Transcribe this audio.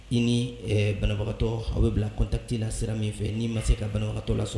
I ni ɛɛ banabagatɔ aw bɛ bila kɔntati la sira min fɛ'i ma se ka banabagatɔ lasɔ